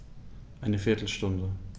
Eine viertel Stunde